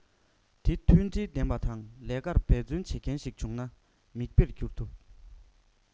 དེ མཐུན སྒྲིལ ལྡན པ དང ལས ཀར འབད རྩོན བྱེད མཁན ཞིག ཡིན ན མིག དཔེར གྱུར ཐུབ